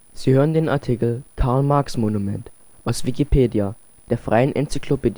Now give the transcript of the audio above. Sie hören den Artikel Karl-Marx-Monument, aus Wikipedia, der freien Enzyklopädie